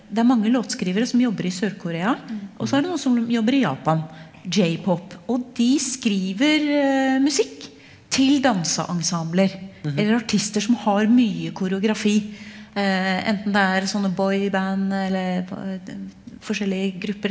det er mange låtskrivere som jobber i Sør-Korea og så er det noen som jobber i Japan j-pop og de skriver musikk til danseensembler eller artister som har mye koreografi enten det er sånne boyband eller på forskjellige grupper.